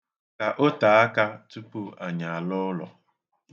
Ka o tee aka tupu anyị alaa ụlọ